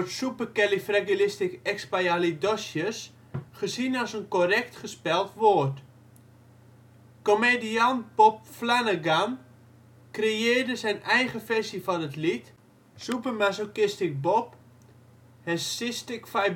supercalifragilisticexpialidocious gezien als een correct gespeld woord. Komediant Bob Flanagan creëerde zijn eigen versie van het lied, " Super-masochistic Bob has cystic fibrosis